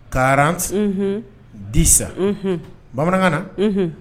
Karan di san bamanankan na